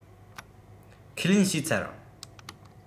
ཁས ལེན བྱས ཚར